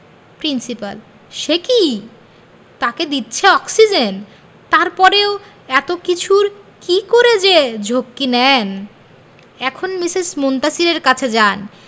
principal সে কি তাকে দিচ্ছে অক্সিজেন তারপরেও এত কিছুর কি করে যে ঝক্কি নেন এখন মিসেস মুনতাসীরের কাছে যান